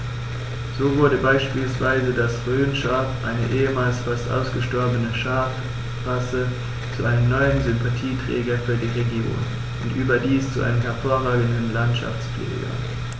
So wurde beispielsweise das Rhönschaf, eine ehemals fast ausgestorbene Schafrasse, zu einem neuen Sympathieträger für die Region – und überdies zu einem hervorragenden Landschaftspfleger.